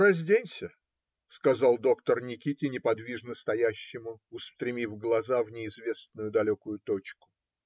- Разденься! - сказал доктор Никите, неподвижно стоявшему, устремив глаза в неизвестную далекую точку.